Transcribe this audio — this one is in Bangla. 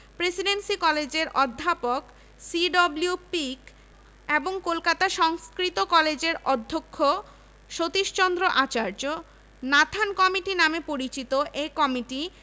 প্রেসিডেন্সি কলেজের অধ্যাপক সি.ডব্লিউ পিক এবং কলকাতা সংস্কৃত কলেজের অধ্যক্ষ সতীশচন্দ্র আচার্য নাথান কমিটি নামে পরিচিত এ কমিটি